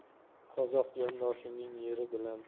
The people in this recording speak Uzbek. qozoq jondoshimning yeri bilan